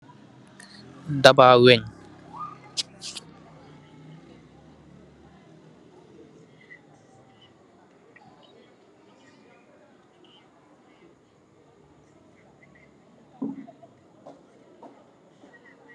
Dabaa wenye.